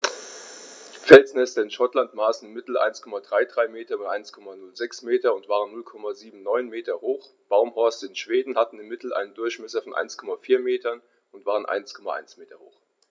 Felsnester in Schottland maßen im Mittel 1,33 m x 1,06 m und waren 0,79 m hoch, Baumhorste in Schweden hatten im Mittel einen Durchmesser von 1,4 m und waren 1,1 m hoch.